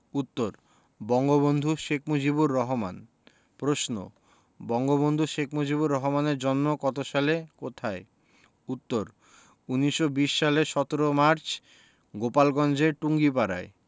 উত্তর বঙ্গবন্ধু শেখ মুজিবুর রহমান প্রশ্ন বঙ্গবন্ধু শেখ মুজিবুর রহমানের জন্ম কত সালে কোথায় উত্তর ১৯২০ সালের ১৭ মার্চ গোপালগঞ্জের টুঙ্গিপাড়ায়